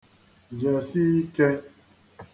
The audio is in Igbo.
jẹsi īkē